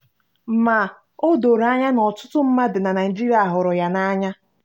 Ma, o doro anya na ọtụtụ mmadụ na Naịjirịa hụrụ ya n'anya.